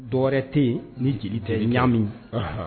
Dɔw tɛ yen ni jeli tɛ i n y'a min